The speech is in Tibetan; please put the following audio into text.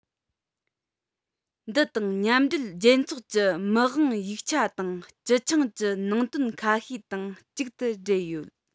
འདི དང མཉམ འབྲེལ རྒྱལ ཚོགས ཀྱི མི དབང ཡིག ཆ དང སྤྱི ཆིངས ཀྱི ནང དོན ཁ ཤས དང གཅིག ཏུ འབྲེལ ཡོད